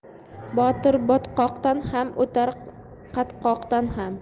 botir botqoqdan ham o'tar qatqoqdan ham